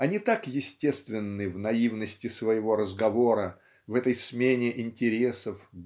они так естественны в наивности своего разговора в этой смене интересов